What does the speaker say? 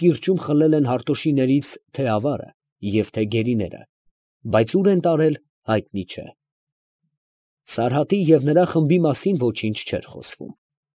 Կիրճում խլել են Հարտոշիներից թե՛ ավարը և թե՛ գերիները, բայց ո՛ւր են տարել, հայտնի չէ. Սարհատի և նրա խումբի մասին ոչինչ չէր խոսվում…։